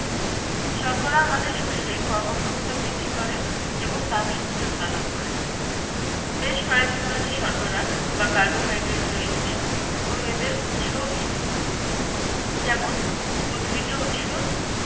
শর্করা আমাদের শরীরে কর্মক্ষমতা বৃদ্ধি করে এবং তাপশক্তি উৎপাদন করে বেশ কয়েক ধরনের শর্করা বা কার্বোহাইড্রেট রয়েছে এবং এদের উৎসও ভিন্ন যেমন উদ্ভিজ্জ উৎস